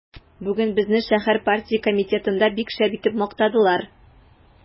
Бүген безне шәһәр партия комитетында бик шәп итеп мактадылар.